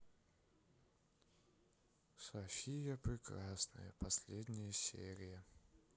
софия прекрасная последняя серия